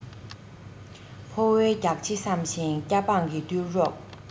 ཕོ བའི རྒྱགས ཕྱེ བསམ ཞིང སྐྱ འབངས ཀྱི བརྟུལ རོགས